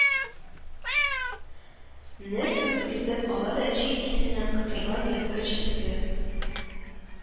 Неп үк көтеп ала да, чи ит исеннән котырган ерткыч төсле